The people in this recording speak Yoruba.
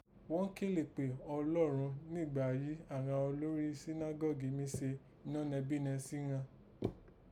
Ghọn kélè kpé Ọlọ́run nígbà yìí aghan olórí sínágọ́gù mí se inọ́nẹbínẹ sí ghan